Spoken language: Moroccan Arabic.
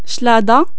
شلاضة